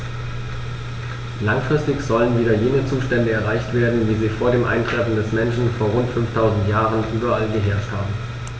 Langfristig sollen wieder jene Zustände erreicht werden, wie sie vor dem Eintreffen des Menschen vor rund 5000 Jahren überall geherrscht haben.